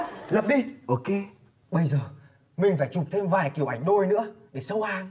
lập đi ô kê bây giờ mình phải chụp thêm vài kiểu ảnh đôi nữa để sâu hàng